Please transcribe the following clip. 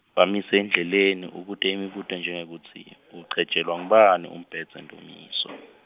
Bamise endleleni, ubute imibuto njengekutsi, ugcetjelwa ngubani umbhedze Ndumiso?